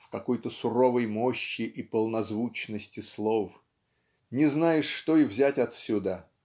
в какой-то суровой мощи и полнозвучности слов. Не знаешь что и взять отсюда